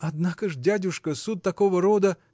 – Однако ж, дядюшка, суд такого рода.